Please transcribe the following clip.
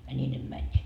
ja niin ne menivät